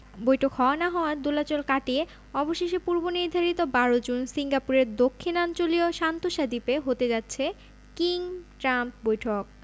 বৈঠক হওয়া না হওয়ার দোলাচল কাটিয়ে অবশেষে পূর্বনির্ধারিত ১২ জুন সিঙ্গাপুরের দক্ষিণাঞ্চলীয় সান্তোসা দ্বীপে হতে যাচ্ছে কিম ট্রাম্প বৈঠক